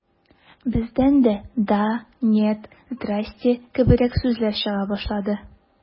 Бездән дә «да», «нет», «здрасте» кебегрәк сүзләр чыга башлады.